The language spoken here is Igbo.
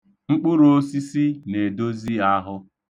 Mkpụrụosisi na-edozi ahụ.